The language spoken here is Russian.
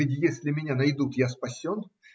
Ведь если меня найдут, я спасен.